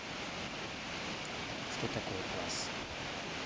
что такое класс